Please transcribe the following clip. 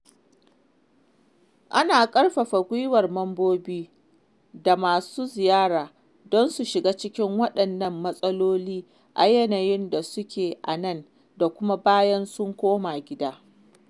Ana ƙarfafa gwiwar mambobi da masu ziyara don su shiga cikin waɗannan matsaloli a yayin da suke a nan da kuma bayan sun koma gida.